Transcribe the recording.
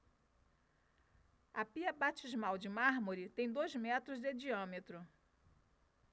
a pia batismal de mármore tem dois metros de diâmetro